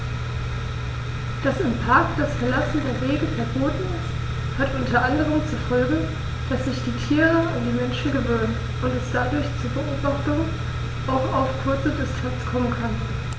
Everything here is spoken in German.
Dass im Park das Verlassen der Wege verboten ist, hat unter anderem zur Folge, dass sich die Tiere an die Menschen gewöhnen und es dadurch zu Beobachtungen auch auf kurze Distanz kommen kann.